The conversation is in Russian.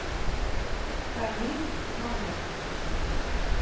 felice звонок